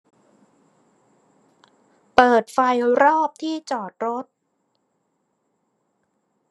เปิดไฟรอบที่จอดรถ